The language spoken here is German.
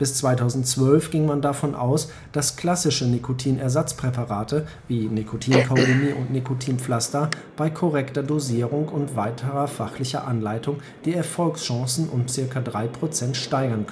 2012 ging man davon aus, dass klassische Nikotinersatzpräparate, wie Nikotinkaugummi und Nikotinpflaster, bei korrekter Dosierung und weiterer fachlicher Anleitung die Erfolgschancen um ca. 3 % steigern